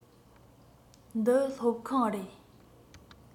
འདི སློབ ཁང རེད